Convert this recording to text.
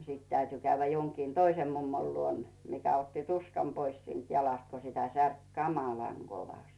no sitten täytyi käydä jonkin toisen mummon luona mikä otti tuskan pois siitä jalasta kun sitä särki kamalan kovasti